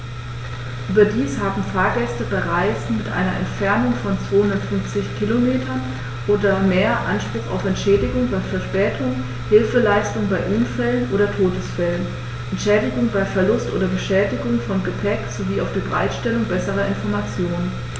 Überdies haben Fahrgäste bei Reisen mit einer Entfernung von 250 km oder mehr Anspruch auf Entschädigung bei Verspätungen, Hilfeleistung bei Unfällen oder Todesfällen, Entschädigung bei Verlust oder Beschädigung von Gepäck, sowie auf die Bereitstellung besserer Informationen.